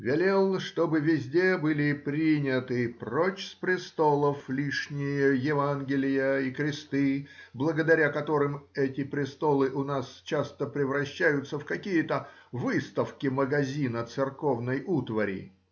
велел, чтобы везде были приняты прочь с престолов лишние Евангелия и кресты, благодаря которым эти престолы у нас часто превращаются в какие-то выставки магазина церковной утвари.